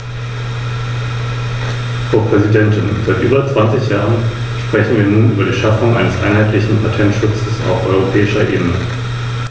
Der Bericht, den wir heute behandeln, hat im Grunde genommen keine großen Erneuerungen zur Folge, da die meisten Abänderungsanträge rein technischer Natur sind.